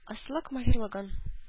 Осталык-маһирлыгын